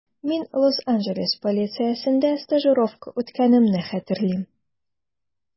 Мин Лос-Анджелес полициясендә стажировка үткәнемне хәтерлим.